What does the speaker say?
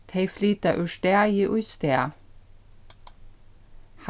tey flyta úr staði í stað